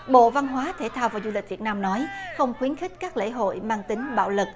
bộ văn hóa thể thao và du lịch việt nam nói không khuyến khích các lễ hội mang tính bạo lực